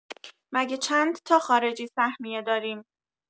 مگه چندتا خارجی سهمیه داریم؟